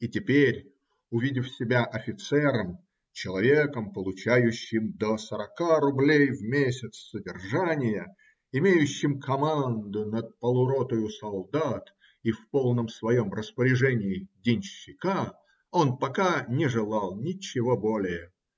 И теперь, увидев себя офицером, человеком, получающим до сорока рублей в месяц содержания, имеющим команду над полуротою солдат и в полном своем распоряжении денщика, он пока не желал ничего более.